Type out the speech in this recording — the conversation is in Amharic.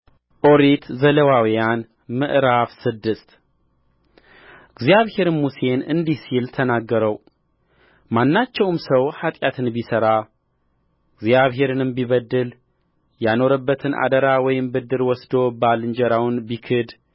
ኦሪት ዘሌዋውያን ምዕራፍ ስድስት እግዚአብሔርም ሙሴን እንዲህ ሲል ተናገረው ማናቸውም ሰው ኃጢአትን ቢሠራ እግዚአብሔርንም ቢበድል ያኖረበትን አደራ ወይም ብድር ወስዶ ባልንጀራውን ቢክድ